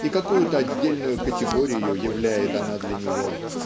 и какую-то отдельную категорию являет она для него.